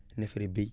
neefere béy